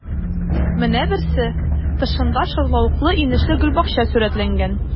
Менә берсе: тышында шарлавыклы-инешле гөлбакча сурәтләнгән.